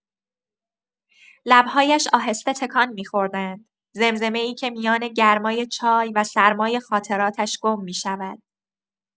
لب‌هایش آهسته تکان می‌خورند، زمزمه‌ای که میان گرمای چای و سرمای خاطراتش گم می‌شود.